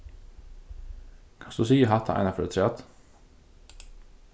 kanst tú siga hatta einaferð afturat